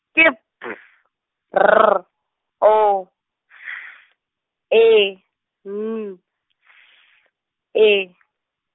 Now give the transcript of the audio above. ke P R O F E N S E.